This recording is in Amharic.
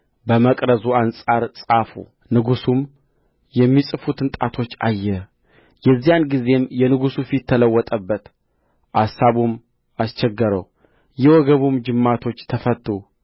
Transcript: በመቅረዙ አንጻር ጻፉ ንጉሡም የሚጽፉትን ጣቶች አየ የዚያን ጊዜም የንጉሡ ፊት ተለወጠበት አሳቡም አስቸገረው የወገቡም ጅማቶች ተፈቱ